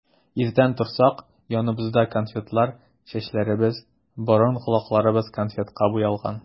Иртән торсак, яныбызда конфетлар, чәчләребез, борын-колакларыбыз конфетка буялган.